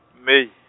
May.